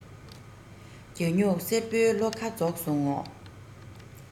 རྒྱ སྨྱུག སེར པོའི བློ ཁ རྫོགས སོང ངོ